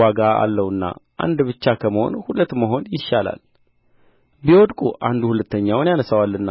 ዋጋ አለውና አንድ ብቻ ከመሆን ሁለት መሆን ይሻላል ቢወድቁ አንዱ ሁለተኛውን ያነሣዋልና